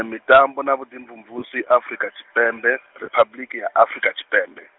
e mitambo na vhuḓimvumvusi Afrika Tshipembe, Riphabuḽiki ya Afurika Tshipembe.